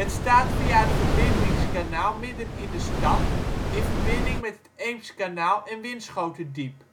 staat via het Verbindingskanaal midden in de stad in verbinding met het Eemskanaal en Winschoterdiep